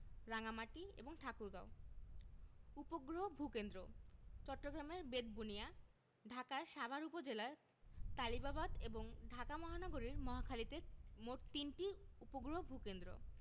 রাঙ্গামাটি এবং ঠাকুরগাঁও উপগ্রহ ভূ কেন্দ্রঃ চট্টগ্রামের বেতবুনিয়া ঢাকার সাভার উপজেলায় তালিবাবাদ এবং ঢাকা মহানগরীর মহাখালীতে মোট তিনটি উপগ্রহ ভূ কেন্দ্র